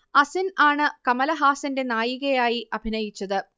അസിൻ ആണ് കമലഹാസന്റെ നായികയായി അഭിനയിച്ചത്